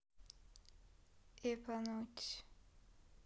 ипануть